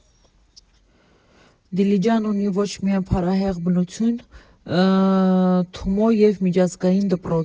Դիլիջանն ունի ոչ միայն փառահեղ բնություն, Թումո և միջազգային դպրոց։